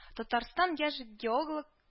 Татарстан яшь геоглк